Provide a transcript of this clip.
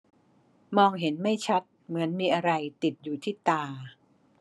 มองเห็นไม่ชัดเหมือนมีอะไรติดอยู่ที่ตา